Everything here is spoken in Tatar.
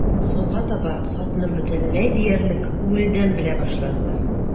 Соңга таба хатны бөтенләй диярлек күңелдән белә башладылар.